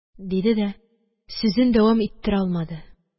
Диде дә сүзен дәвам иттерә алмады,